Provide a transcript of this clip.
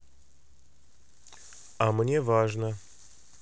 а мне важно